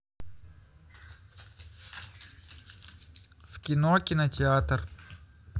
в кино кинотеатр